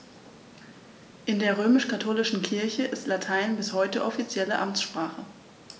In der römisch-katholischen Kirche ist Latein bis heute offizielle Amtssprache.